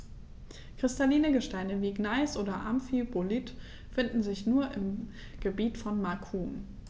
Kristalline Gesteine wie Gneis oder Amphibolit finden sich nur im Gebiet von Macun.